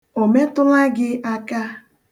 O metụla gị aka?